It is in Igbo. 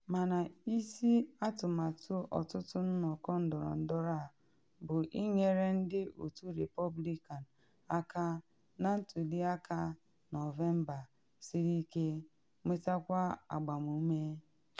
Mana isi atụmatụ ọtụtụ nnọkọ ndọrọndọrọ a bụ inyere ndị otu Repọblikan aka na ntuli aka Nọvemba siri ike nwetakwa agbamume.